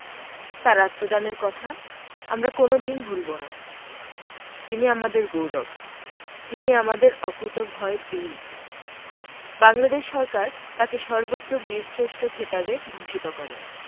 তাঁর আত্মদানের কথা আমরা কোনো দিন ভুলব না তিনি আমাদের গৌরব তিনি আমাদের অকুতোভয় বীর বাংলাদেশ সরকার তাঁকে সর্বোচ্চ বীরশ্রেষ্ঠ খেতাবে ভূষিত করে